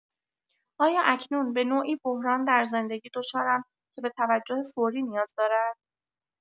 آیا اکنون به‌نوعی بحران در زندگی دچارم که به توجه فوری نیاز دارد؟